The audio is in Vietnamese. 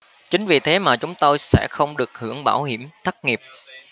chính vì thế mà chúng tôi sẽ không được hưởng bảo hiểm thất nghiệp